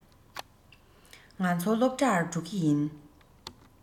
ང ཚོ སློབ གྲྭར འགྲོ གི ཡིན